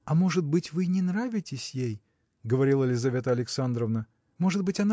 – А может быть, вы не нравитесь ей? – говорила Лизавета Александровна – может быть